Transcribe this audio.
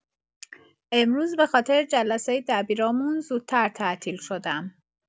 امروز به‌خاطر جلسه دبیرامون زودتر تعطیل شدم.